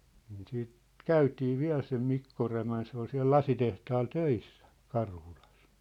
niin sitten käytiin vielä sen Mikko Rämän se oli siellä lasitehtaalla töissä Karhulassa